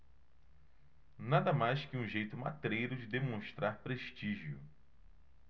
nada mais que um jeito matreiro de demonstrar prestígio